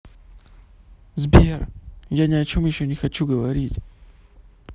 сбер я ни о чем еще не хочу говорить